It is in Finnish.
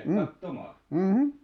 mm mm